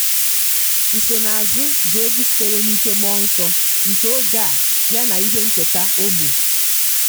Nsonaazụ bụ egwu sitere n'ike mmụọ nsọ nke oge a yana ihe nketa nke ogbe.